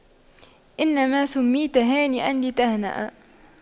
إنما سُمِّيتَ هانئاً لتهنأ